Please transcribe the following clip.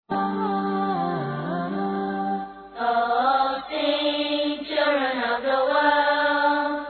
Wainɛ ja yo laban